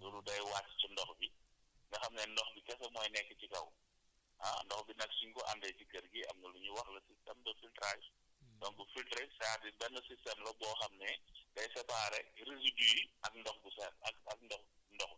loolu day wàcc ci ndox bi nga xam ne ndox bi kese mooy nekk ci kaw ah ndox bi nag su ñu ko andee ci kër gi am nalu ñuy wax le système de filtrage donc filtrer c' est à dire benn système la boo xam ne day séparer residus yi ak ndox poussière ak ak ndox ndox